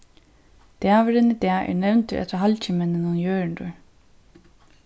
dagurin í dag er nevndur eftir halgimenninum jørundur